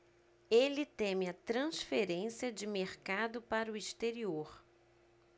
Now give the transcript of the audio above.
ele teme a transferência de mercado para o exterior